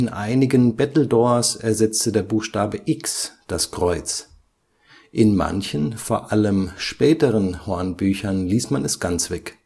einigen Battledores ersetzte der Buchstabe „ X “das Kreuz; in manchen, vor allem späteren Hornbüchern ließ man es ganz weg